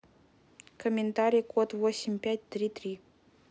комментарий кот восемь пять три три